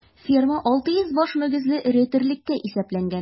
Ферма 600 баш мөгезле эре терлеккә исәпләнгән.